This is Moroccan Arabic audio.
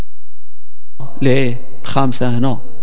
ليه خمسه هنا